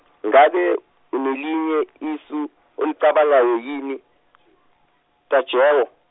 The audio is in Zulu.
ngabe unelinye isu olicabangayo yini, Tajewo?